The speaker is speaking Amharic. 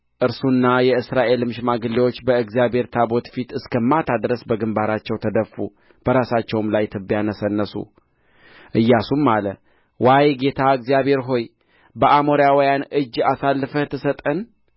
እርሱና የእስራኤልም ሽማግሌዎች በእግዚአብሔር ታቦት ፊት እስከ ማታ ድረስ በግምባራቸው ተደፉ በራሳቸውም ላይ ትቢያ ነሰነሱ ኢያሱም አለ ዋይ ጌታ እግዚአብሔር ሆይ በአሞራውያን እጅ አሳልፈህ ትሰጠን